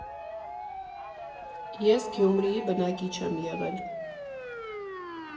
Ես Գյումրիի բնակիչ եմ եղել։